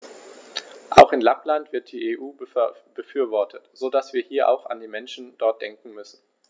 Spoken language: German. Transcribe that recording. Auch in Lappland wird die EU befürwortet, so dass wir hier auch an die Menschen dort denken müssen.